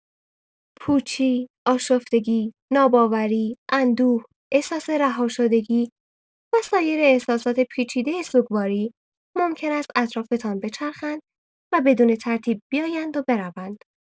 پوچی، آشفتگی، ناباوری، اندوه، احساس رهاشدگی و سایر احساسات پیچیده سوگواری ممکن است اطرافتان بچرخند و بدون ترتیب بیایند و بروند.